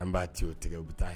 An b'a ci o tigɛ u bɛ taa ye